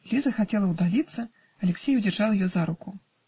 " Лиза хотела удалиться, Алексей удержал ее за руку.